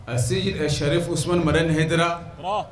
A se ka sariyari fo suma mari ni hra